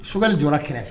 Sogɛli jɔra kɛrɛfɛ